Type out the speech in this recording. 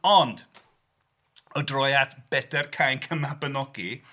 Ond... o droi at Bedair Cainc y Mabinogi...